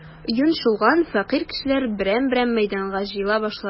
Йончылган, фәкыйрь кешеләр берәм-берәм мәйданга җыела башлады.